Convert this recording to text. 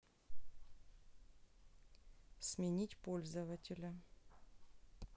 сменить пользователя